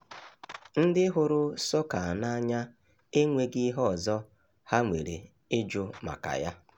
Ndị hụrụ sọka n'anya enweghị ihe ọzọ ha nwere ịjụ maka ya.